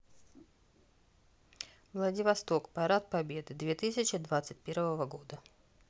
владивосток парад победы две тысячи двадцать первого года